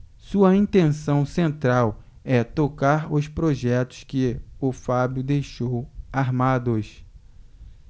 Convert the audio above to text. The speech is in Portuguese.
sua intenção central é tocar os projetos que o fábio deixou armados